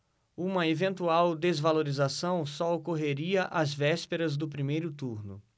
uma eventual desvalorização só ocorreria às vésperas do primeiro turno